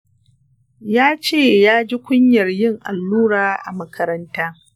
yace yaji kunyar yin allura a makaranta.